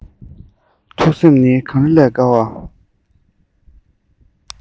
ཐུགས སེམས ནི གངས རི ལས དཀར བ